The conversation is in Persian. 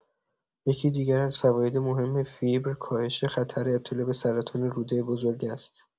یکی دیگر از فواید مهم فیبر، کاهش خطر ابتلا به سرطان روده بزرگ است.